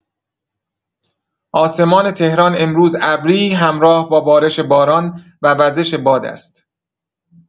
آسمان تهران امروز ابری همراه با بارش باران و وزش باد است.